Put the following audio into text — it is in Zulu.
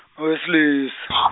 owesilis-.